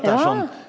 ja.